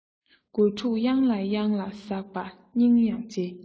རྒོད ཕྲུག གཡང ལ གཡང ལ ཟགས པ སྙིང ཡང རྗེ